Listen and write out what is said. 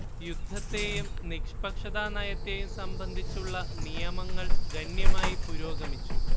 യുദ്ധത്തെയും നിഷ്പക്ഷതാനയത്തെയും സംബന്ധിച്ചുള്ള നിയമങ്ങൾ ഗണ്യമായി പുരോഗമിച്ചു